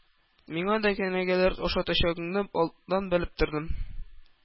Миңа да кенәгәләр ашатачагыңны алдан белеп тордым.